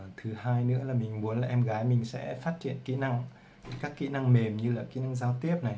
thứ hai mình muốn em gái mình sẽ phát triển kỹ năng các kỹ năng mềm như kỹ năng giao tiếp